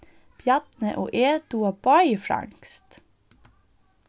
bjarni og eg duga báðir franskt